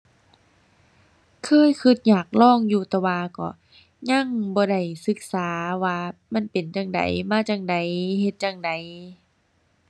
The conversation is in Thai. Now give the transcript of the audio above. เคยคิดอยากลองอยู่แต่ว่าก็ยังบ่ได้ศึกษาว่ามันเป็นจั่งใด มาจั่งใด เฮ็ดจั่งใด